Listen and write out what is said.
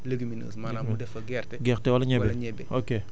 mu def benn légumineuse maanaam